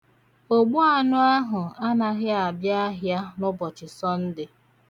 Ogbuanụ ahụ anaghị abịa ahịa n'ụḅochị Sọnde.